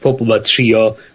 pobl 'ma trio